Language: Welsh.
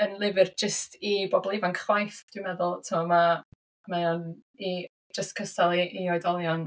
Yn lyfr jyst i bobl ifanc chwaith, dwi'n meddwl tibod. Ma' mae o'n i jyst cystal i i oedolion.